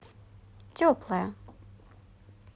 теплая